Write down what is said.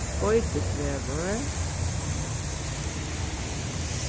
beitisvegur